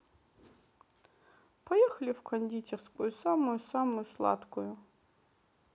поехали в кондитерскую самую самую сладкую